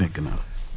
dégg naa la